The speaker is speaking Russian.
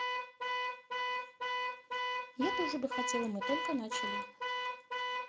я тоже бы хотела мы только начали